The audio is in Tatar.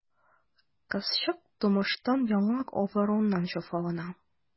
Кызчык тумыштан яңак авыруыннан җәфалана.